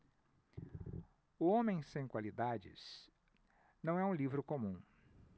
o homem sem qualidades não é um livro comum